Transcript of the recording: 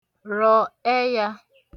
rọ̀ ẹyā